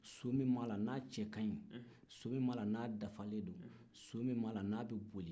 so min b'a la n'a jɛkaɲi so min b'a la n'a dafalen don so min b'a la n'a bɛ boli